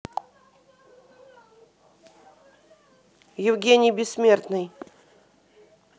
евгений бессмертный